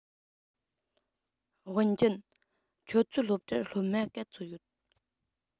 ཝུན ཅུན ཁྱོད ཚོའི སློབ གྲྭར སློབ མ ག ཚོད ཡོད